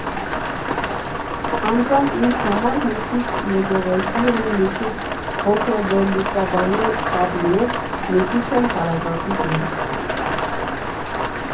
Անձամբ ինձ համար մի քիչ եկեղեցի էր, մի քիչ հոգեվերլուծաբանի կաբինետ, մի քիչ էլ հարազատի տուն։